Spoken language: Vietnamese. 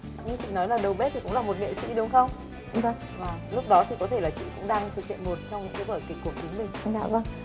như chị nói là đầu bếp thì cũng là một nghệ sĩ đúng không đúng lúc đó thì có thể là chị cũng đang thực hiện một trong những vở kịch của chính mình